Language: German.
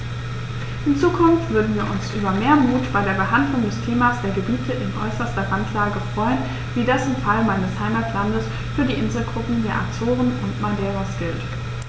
In Zukunft würden wir uns über mehr Mut bei der Behandlung des Themas der Gebiete in äußerster Randlage freuen, wie das im Fall meines Heimatlandes für die Inselgruppen der Azoren und Madeiras gilt.